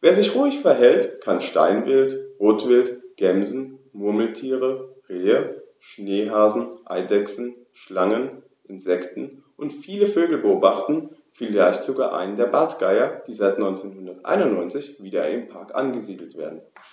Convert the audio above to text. Wer sich ruhig verhält, kann Steinwild, Rotwild, Gämsen, Murmeltiere, Rehe, Schneehasen, Eidechsen, Schlangen, Insekten und viele Vögel beobachten, vielleicht sogar einen der Bartgeier, die seit 1991 wieder im Park angesiedelt werden.